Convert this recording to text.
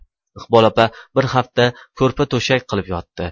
iqbol opa bir hafta ko'rpa to'shak qilib yotdi